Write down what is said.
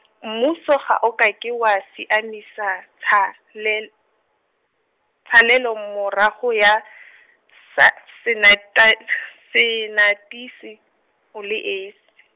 mmuso ga o ka ke wa siamisa tshalel-, tshalelomorago ya , sa- senatas- senatisi, o le e .